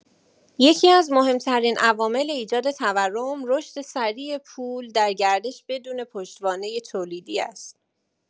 یکی‌از مهم‌ترین عوامل ایجاد تورم، رشد سریع پول در گردش بدون پشتوانه تولیدی است.